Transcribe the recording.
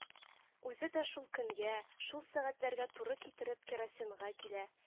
Үзе дә шул көнгә, шул сәгатьләргә туры китереп керосинга килә